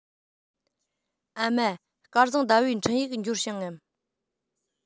ཨ མ སྐལ བཟང ཟླ བའི འཕྲིན ཡིག འབྱོར བྱུང ངམ